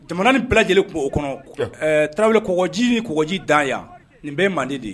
Jamana ni bila lajɛlen tun b'o kɔnɔ tarawele koji ni koɔgɔji dan yan nin bɛ manden di di ye